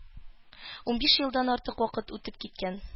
Унбиш елдан артык вакыт үтеп киткән